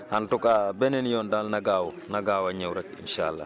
en tout cas beneen yoon daal na gaaw na gaaw a ñëw rek incha allah